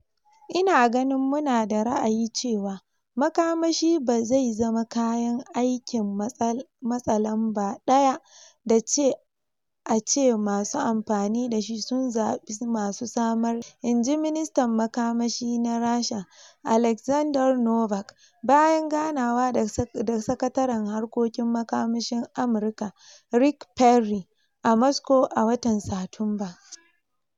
"Ina ganin mu na da ra'ayi cewa makamashi ba zai zama kayan aikin matsa lamba daya dace ace masu amfani dashi sun zabi masu samar dashi," in ji ministan makamashi na Rasha Aleksandr Novak bayan ganawa da Sakataren Harkokin Makamashin Amurka Rick Perry a Moscow a watan Satumba.